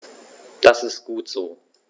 Das ist gut so.